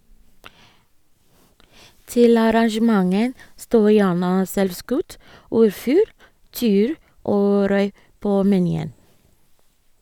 Til arrangementer står gjerne selvskutt orrfugl , tiur og røy på menyen.